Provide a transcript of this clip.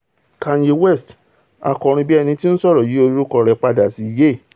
Kanye West: Akọrinbíẹnití-ńsọ̀rọ̀ yí orúkọ rẹ̀ padá sí Ye